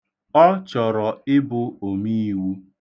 Ọ chọrọ ịbụ omiiwu.